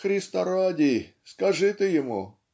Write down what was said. Христа ради, скажи ты ему.